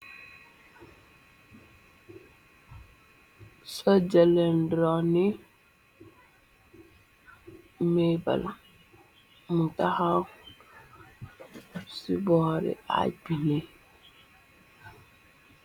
Solja leenj draw ne mayball, mu taxaw ci boore aj bi ne.